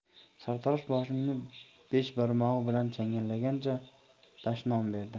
sartarosh boshimni besh barmog'i bilan changallagancha dashnom berdi